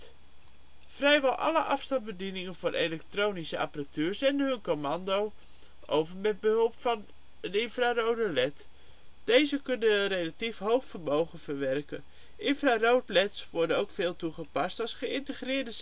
Vrijwel alle afstandbedieningen voor elektronische apparatuur zenden hun commando over met behulp van IR-leds. Deze kunnen een relatief hoog vermogen verwerken. Infraroodleds worden ook veel toegepast als geïntegreerde